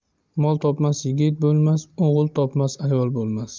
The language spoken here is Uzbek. mol topmas yigit bo'lmas o'g'il topmas ayol bo'lmas